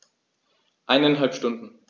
Eineinhalb Stunden